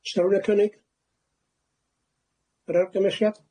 Se r'wun â cynnig? Yr argymhelliad?